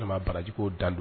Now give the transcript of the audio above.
Barajɛko dan don